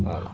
voilà